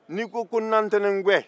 n'i ko ko nantɛnenguwɛ